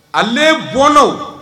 A bɛ bɔnna